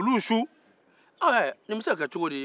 ko nin bɛ se ka kɛ cogo di